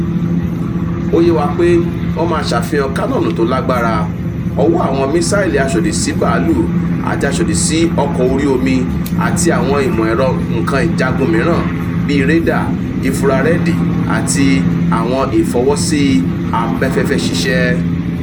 Ó yé wá pé wọ́n máa ṣàfihàn Kanọ́ọ̀nù tó lágbara, ọ̀wọ́ àwọn mísáìlì aṣòdì-sí-bàálù àti aṣòdì-sí-ọkọ̀ orí omi àti àwọn ìmọ̀ ẹ̀rọ nǹka ìjagun mìíràn, bíi rédà, ínfúrárẹ́ẹ̀dì àti àwọn ìfọ́wọ́sí abáfẹfẹ́ṣiṣẹ́.